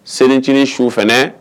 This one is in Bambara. Selicinin su fana